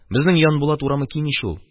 Безнең Янбулат урамы киң ич ул.